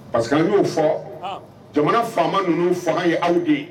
Parce que an yo fɔ, jamana faama nunun fanga ye aw de ye.